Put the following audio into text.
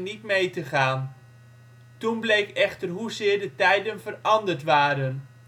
gaan. Toen bleek echter hoezeer de tijden veranderd waren